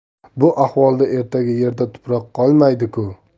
bu ahvolda ertaga yerda tuproq qolmaydiku